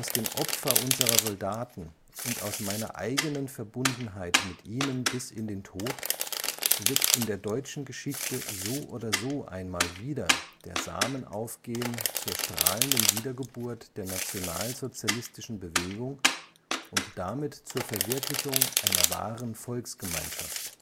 dem Opfer unserer Soldaten und aus meiner eigenen Verbundenheit mit ihnen bis in den Tod, wird in der deutschen Geschichte so oder so einmal wieder der Samen aufgehen zur strahlenden Wiedergeburt der nationalsozialistischen Bewegung und damit zur Verwirklichung einer wahren Volksgemeinschaft